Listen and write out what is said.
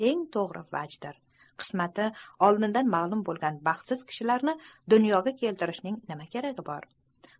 eng to'g'ri vajdir qismati oldindan ma'lum bo'lgan baxtsiz kishilarni dunyoga keltirishning nima keragi bor